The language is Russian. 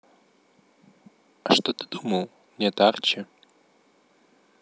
а что ты думал нет арчи